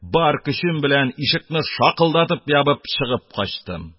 Бар көчем белән ишекне шакылдатып ябып, чыгып качтым.